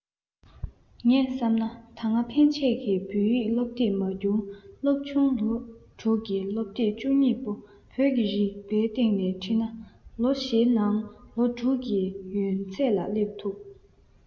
ངས བསམ ན ད སྔ ཕན ཆད ཀྱི བོད ཡིག སློབ དེབ མ འགྱུར སློབ ཆུང ལོ དྲུག གི སློབ དེབ བཅུ གཉིས པོ བོད ཀྱི རིག པའི སྟེང ནས ཁྲིད ན ལོ བཞིའི ནང ལོ དྲུག གི ཡོན ཚད ལ སླེབས ཐུབ